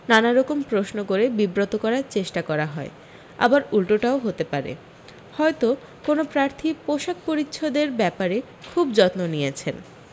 নানা রকম প্রশ্ন করে বিব্রত করার চেষ্টা করা হয় আবার উল্টোটাও হতে পারে হয়তো কোনও প্রার্থী পোষাক পরিচ্ছদের ব্যাপারে খুব যতন নিয়েছেন